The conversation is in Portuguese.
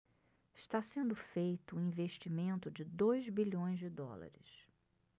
está sendo feito um investimento de dois bilhões de dólares